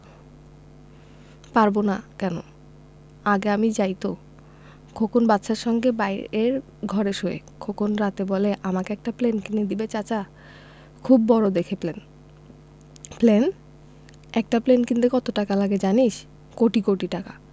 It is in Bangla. পারব না কেন আগে আমি যাই তো খোকন বাদশার সঙ্গে বাইরের ঘরে শোয় খোকন রাতে বলে আমাকে একটা প্লেন কিনে দিবে চাচা খুব বড় দেখে প্লেন প্লেন একটা প্লেন কিনতে কত টাকা লাগে জানিস কোটি কোটি টাকা